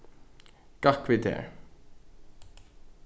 gakk við tær